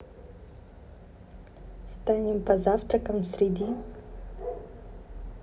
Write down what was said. станем по завтракам среди